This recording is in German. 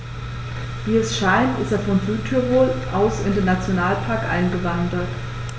Wie es scheint, ist er von Südtirol aus in den Nationalpark eingewandert.